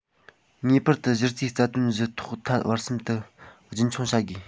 ངེས པར དུ གཞི རྩའི རྩ དོན བཞི ཐོག མཐའ བར གསུམ དུ རྒྱུན འཁྱོངས བྱ དགོས